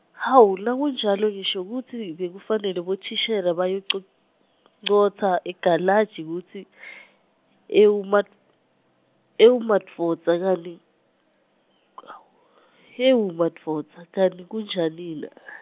awu nakunjalo ngisho kutsi bekufanele bothishela bayoncot- -ncotsa egalaji, kutsi , ewuma- ewumadvodza kani , awu ewumadvodza kani kunjanina?